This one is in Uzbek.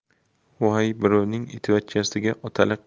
voy birovning itvachchasiga otalik